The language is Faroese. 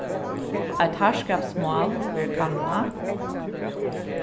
eitt harðskapsmál verður kannað